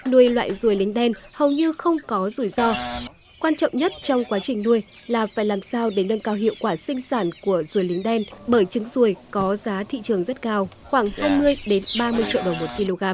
nuôi loại ruồi lính đen hầu như không có rủi ro quan trọng nhất trong quá trình nuôi là phải làm sao để nâng cao hiệu quả sinh sản của ruồi lính đen bởi trứng ruồi có giá thị trường rất cao khoảng hai mươi đến ba mươi triệu đồng một ki lô gam